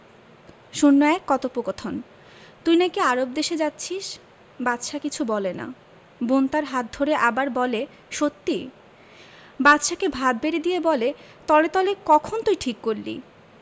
০১ কতোপকথন তুই নাকি আরব দেশে যাচ্ছিস বাদশা কিছু বলে না বোন তার হাত ধরে আবার বলে সত্যি বাদশাকে ভাত বেড়ে দিয়ে বলে তলে তলে কখন তুই ঠিক করলি